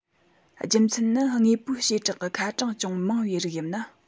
རྒྱུ མཚན ནི དངོས པོའི བྱེ བྲག གི ཁ གྲངས ཅུང མང བའི རིགས དབྱིབས ནི